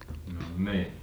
no niin